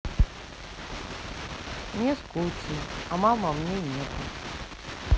мне скучно а мама мне нету